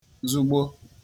zụgbo